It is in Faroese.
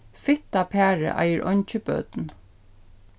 fitta parið eigur eingi børn